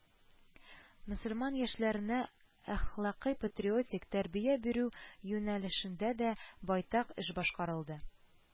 Мөселман яшьләренә әхлакый-патриотик тәрбия бирү юнәлешендә дә байтак эш башкарылды